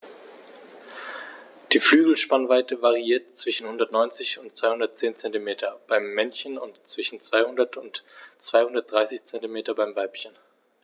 Die Flügelspannweite variiert zwischen 190 und 210 cm beim Männchen und zwischen 200 und 230 cm beim Weibchen.